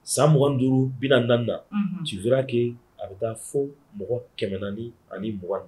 San m duuru bɛna na na juru kɛ a bɛ taa fɔ mɔgɔ kɛmɛ ani mɔgɔ na